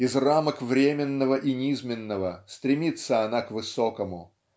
Из рамок временного и низменного стремится она к высокому